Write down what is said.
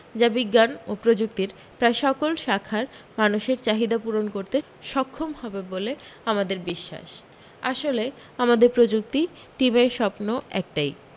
যা বিজ্ঞান ও প্রযুক্তির প্রায় সকল শাখার মানুষের চাহিদা পূরণ করতে সক্ষম হবে বলে আমাদের বিশ্বাস আসলে আমাদের প্রযুক্তি টিমের স্বপ্ন একটাই